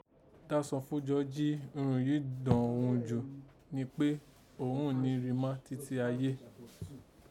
Dásọfúnjó jí irun yìí dọ̀n òghun jù ni kpé òghun ní ri má títí aye